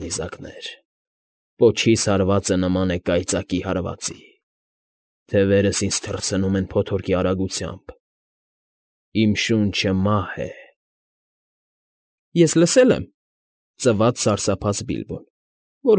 Նիզակներ, պոչիս հարվածը նման է կայծակի հարվածի, թևերս ինձ թռցնում են փոթորիկի արագությամբ, իմ շունչը մահ է։ ֊ Ես լսել եմ,֊ ծվաց սարսափած Բիլբոն,֊ որ։